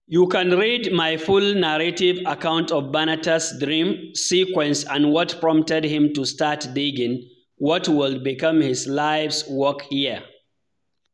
You can read my full narrative account of Banatah's dream sequence and what prompted him to start digging what would become his life's work here: